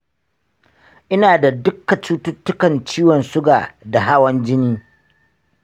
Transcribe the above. ina da duka cututtukan ciwon suga da hawan-jini.